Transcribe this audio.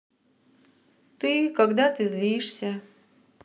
ты когда ты злишься